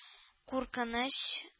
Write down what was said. Куркыныч